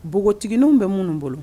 Npogotigiiginiw bɛ minnu bolo